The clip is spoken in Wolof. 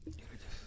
jërëjëf